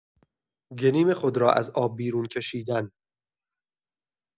گلیم خود را از آب بیرون کشیدن